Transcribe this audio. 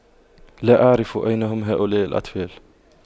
لا أعرف أين هم هؤلاء الأطفال